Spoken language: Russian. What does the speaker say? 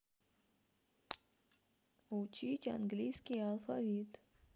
учить английский алфавит